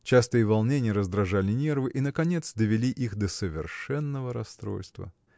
Частые волнения раздражали нервы и наконец довели их до совершенного расстройства.